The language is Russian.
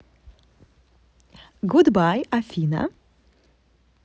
goodbye афина